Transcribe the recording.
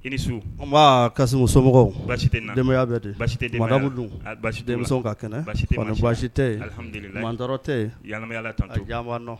I ni su. An baa Kasimu so mɔgɔw? Baasi tɛ n na. Denbaya bɛ di? Baasi tɛ denbaya la? madame dun? Baasi t'a la. Denmisɛnw ka kɛnɛ? Baasi tɛ yen. Kɔri baasi tɛ yen? Mantɔrɔ tɛ yen? Yani n bɛ ala tanto. A diya b'an nɔ.